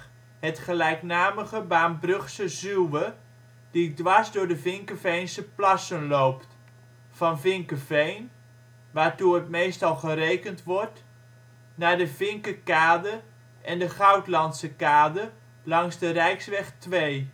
gelijknamige Baambrugse Zuwe, die dwars door de Vinkeveense Plassen loopt, van Vinkeveen (waartoe het meestal gerekend wordt), naar de Vinkekade en de Groenlandsekade, langs de rijksweg 2.